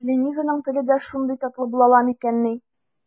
Ленизаның теле дә шундый татлы була ала микәнни?